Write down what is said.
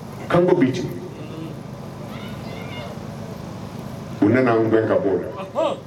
Kanko bɛ ten, u nana an gɛn ka bɔ la, anhan